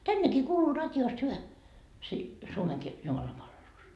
tännekin kuuluu radiosta hyvä - Suomenkin jumalanpalvelus